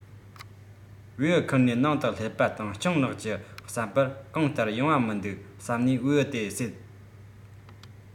བེའུ འཁུར ནས ནང དུ སླེབས པ དང སྤྱང ལགས ཀྱི བསམ པར གང ལྟར ཡོང བ མི འདུག བསམས ནས བེའུ དེ བསད